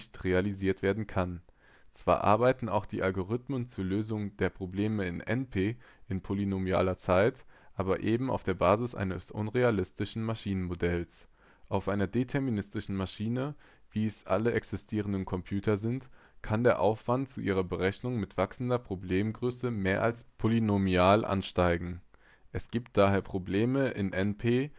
realisiert werden kann. Zwar arbeiten auch die Algorithmen zur Lösung der Probleme in NP in polynomialer Zeit, aber eben auf der Basis eines unrealistischen Maschinenmodells. Auf einer deterministischen Maschine, wie es alle existierenden Computer sind, kann der Aufwand zu ihrer Berechnung mit wachsender Problemgröße mehr als polynomial ansteigen. Es gibt daher Probleme in NP